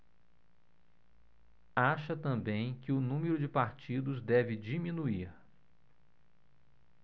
acha também que o número de partidos deve diminuir